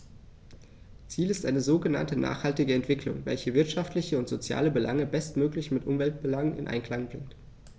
Ziel ist eine sogenannte nachhaltige Entwicklung, welche wirtschaftliche und soziale Belange bestmöglich mit Umweltbelangen in Einklang bringt.